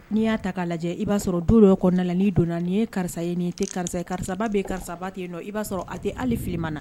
N'i y'a ta k' lajɛ i b'a sɔrɔ du dɔ kɔnɔnali donna nin ye karisa ye nin tɛ karisa karisaba bɛ ye karisaba yen i b'a sɔrɔ a tɛ ali fili ma na